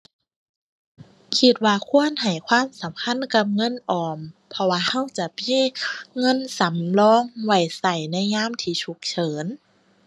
คิดว่าควรให้ความสำคัญกับเงินออม เพราะว่าเราจะมีเงินสำรองไว้เราในยามที่ฉุกเฉิน